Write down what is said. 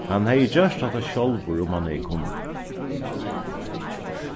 hann hevði gjørt hatta sjálvur um hann hevði kunnað